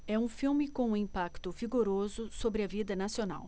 é um filme com um impacto vigoroso sobre a vida nacional